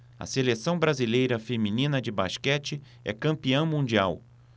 a seleção brasileira feminina de basquete é campeã mundial